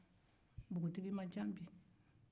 npogotigi man ca bi